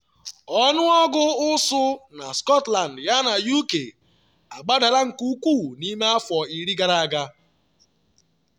Ọnụọgụ ụsụ na Scotland yana UK agbadaala nke ukwuu n’ime afọ iri gara aga.